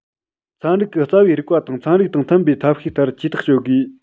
ཚན རིག གི རྩ བའི རིགས པ དང ཚན རིག དང མཐུན པའི ཐབས ཤེས ལྟར ཇུས ཐག གཅོད དགོས